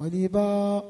Badiba